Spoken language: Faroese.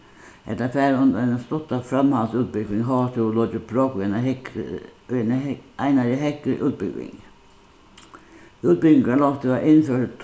ella fara undir eina stutta framhaldsútbúgving hóast tú hevur lokið prógv í eina hægri einari hægri útbúgving útbúgvingarloftið varð innført